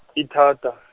ithata .